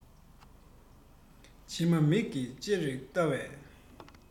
འཆི བའི མིག གིས ཅེ རེར བལྟ བའི